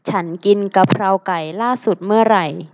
ฉันกินกะเพราไก่ล่าสุดเมื่อไหร่